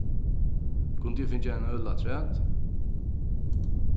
kundi eg fingið eina øl afturat